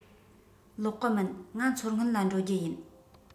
ལོག གི མིན ང མཚོ སྔོན ལ འགྲོ རྒྱུ ཡིན